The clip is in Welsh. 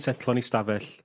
...setlo'n 'i stafell